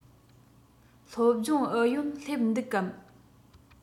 སློབ སྦྱོང ཨུ ཡོན སླེབས འདུག གམ